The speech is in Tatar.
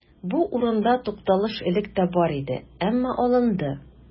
Бу урында тукталыш элек тә бар иде, әмма алынды.